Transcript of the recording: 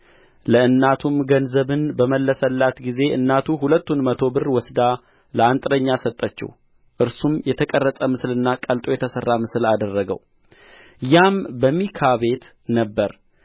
ለእናቱም ገንዘቡን በመለሰላት ጊዜ እናቱ ሁለቱን መቶ ብር ወስዳ ለአንጥረኛ ሰጠችው እርሱም የተቀረጸ ምስልና ቀልጦ የተሠራ ምስል አደረገው ያም በሚካ ቤት ነበረ